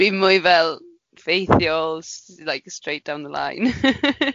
Dwi mwy fel, ffethiol, s- like straight down the line.